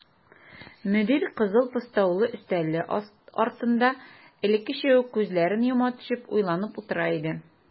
Мөдир кызыл постаулы өстәле артында элеккечә үк күзләрен йома төшеп уйланып утыра иде.